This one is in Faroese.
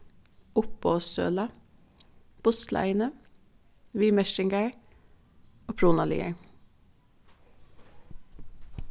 uppboðssøla bussleiðini viðmerkingar upprunaligur